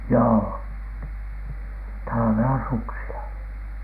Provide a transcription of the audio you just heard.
joo talvella suksilla